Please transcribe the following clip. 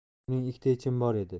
uning ikkita yechimi bor edi